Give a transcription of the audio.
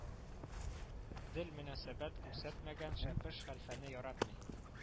Дел мөнәсәбәт күрсәтмәгән шәпеш хәлфәне яратмый